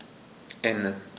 Ende.